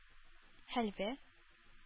Хәлвә